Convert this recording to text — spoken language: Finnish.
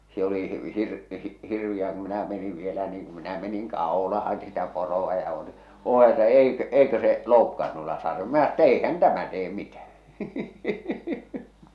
se oli - hirveää kun minä menin vielä niin kun minä menin kaulaan sitä poroa ja oli oli että eikö eikö se loukkaa noilla - minä että eihän tämä tee mitään